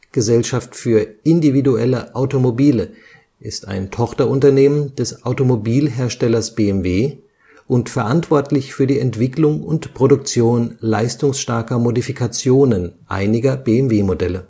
Gesellschaft für individuelle Automobile ist ein Tochterunternehmen des Automobilherstellers BMW und verantwortlich für die Entwicklung und Produktion leistungsstarker Modifikationen einiger BMW-Modelle